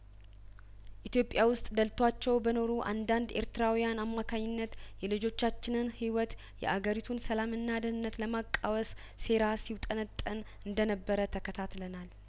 ኢትዮጵያ ውስጥ ደልቶዎቻቸው በኖሩ አንዳንድ ኤርትራውያን አማካይነት የልጆቻችንን ህይወት የአገሪቱን ሰላምና ደህንነት ለማቃወስ ሴራ ሲውጠነጠን እንደነበረ ተከታትለናል